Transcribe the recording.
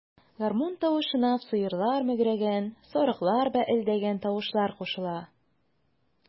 Гармун тавышына сыерлар мөгрәгән, сарыклар бәэлдәгән тавышлар кушыла.